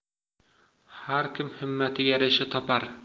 har kim himmatiga yarasha topar